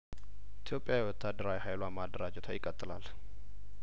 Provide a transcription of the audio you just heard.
ኢትዮጵያ ወታደራዊ ሀይሏን ማደራጀትዋ ይቀጥላል